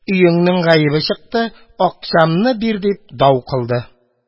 Өеңнең гаебе чыкты, акчамны бир! – дип дау кылды.